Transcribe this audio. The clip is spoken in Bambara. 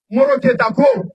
M mori tɛ taa ko